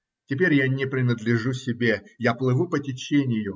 теперь я не принадлежу себе, я плыву по течению